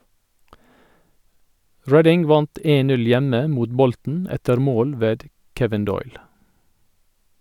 Reading vant 1-0 hjemme mot Bolton etter mål ved Kevin Doyle.